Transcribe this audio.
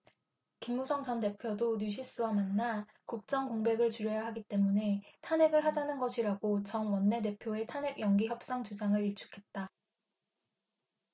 김무성 전 대표도 뉴시스와 만나 국정 공백을 줄여야 하기 때문에 탄핵을 하자는 것이라고 정 원내대표의 탄핵 연기협상 주장을 일축했다